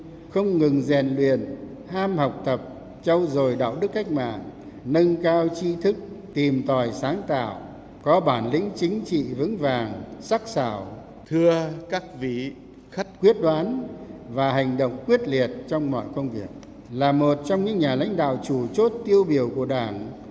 không ngừng rèn luyện ham học tập trau dồi đạo đức cách mạng nâng cao tri thức tìm tòi sáng tạo có bản lĩnh chính trị vững vàng sắc sảo thưa các vị khách quyết đoán và hành động quyết liệt trong mọi công việc là một trong những nhà lãnh đạo chủ chốt tiêu biểu của đảng